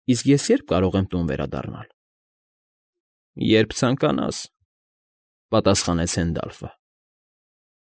Իսկ ես ե՞րբ կարող եմ տուն վերադառնալ։ ֊ Երբ ցանկանաս,֊ պատասխանեց Հենդալֆը։